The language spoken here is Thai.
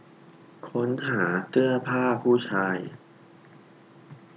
ค้นหาเสื้อผ้าผู้ชาย